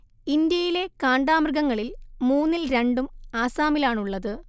ഇന്ത്യയിലെ കാണ്ടാമൃഗങ്ങളിൽ മൂന്നിൽ രണ്ടും ആസാമിലാണുള്ളത്